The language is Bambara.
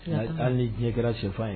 ' ni diɲɛ kɛra senfan ye